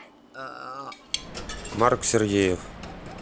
марк сергеев